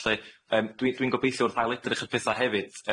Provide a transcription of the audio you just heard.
'lly yym dwi dwi'n gobeithio wrth ail-edrych y petha hefyd